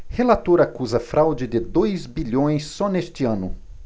relator acusa fraude de dois bilhões só neste ano